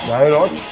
det er rart.